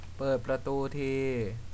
เปิดประตูที